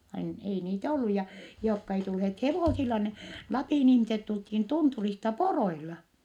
- ei niitä ollut ja jotka ei tulleet hevosilla ne Lapin ihmiset tultiin tunturista poroilla